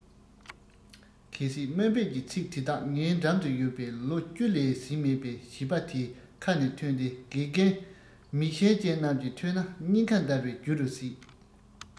གལ སྲིད དམའ འབེབས ཀྱི ཚིག དེ དག ངའི འགྲམ དུ ཡོད པའི ལོ བཅུ ལས ཟིན མེད པའི བྱིས པ འདིའི ཁ ནས ཐོན ཏེ དགེ རྒན མིག ཤེལ ཅན རྣམས ཀྱིས ཐོས ན སྙིང ཁ འདར བའི རྒྱུ རུ ཟད